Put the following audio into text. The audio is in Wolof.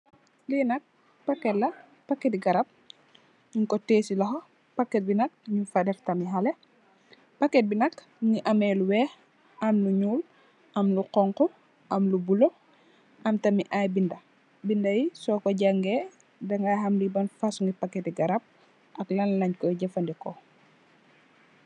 Li nak paket la paketti garap ñing ko teyeh ci loxo. Paket bi nak ñing fa def tamit xalèh. Paket bi nak mugii ameh lu wèèx am lu ñuul, am lu xonxu, am lu bula, am tamit ay bindi. Bindi so ko jangèè di ga xam ban fasung paket garap ak lañ koy jafandiko.